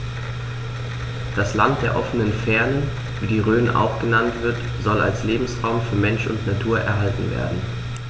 Das „Land der offenen Fernen“, wie die Rhön auch genannt wird, soll als Lebensraum für Mensch und Natur erhalten werden.